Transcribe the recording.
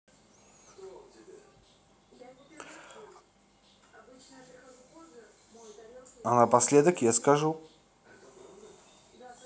а напоследок я скажу